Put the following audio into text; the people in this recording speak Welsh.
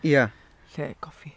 Ia...Yn lle coffi.